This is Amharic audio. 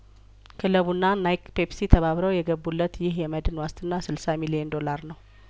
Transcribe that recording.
ክለቡና ናይክ ፔፕሲ ተባብረው የገቡ ለት ይህ የመድን ዋስትና ስልሳ ሚሊዮን ዶላር ነው